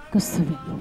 Ka so